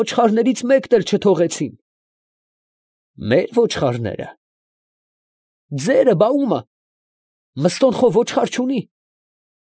Ոչխարներից մեկն էլ չթողեցին։ ֊ Մե՞ր ոչխարները։ ֊ Ձերը. բա ո՞ւմը. Մըստոն խո ոչխար չունի։